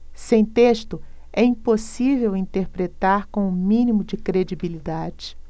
sem texto é impossível interpretar com o mínimo de credibilidade